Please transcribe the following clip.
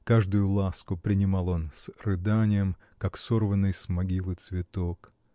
каждую ласку принимал он с рыданием, как сорванный с могилы цветок.